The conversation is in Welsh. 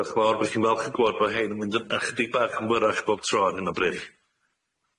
Diolch yn fawr, bo' chi'n falch bod bo' rhein yn mynd yn ychydig bach yn fyrach bob tro ar hyn o bryd.